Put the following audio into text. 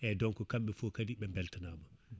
eyyi donc kamɓe foof kadi ɓe beltanama